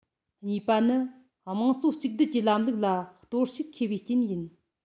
གཉིས པ ནི དམངས གཙོ གཅིག སྡུད ཀྱི ལམ ལུགས ལ གཏོར བཤིག ཁེལ བའི རྐྱེན ཡིན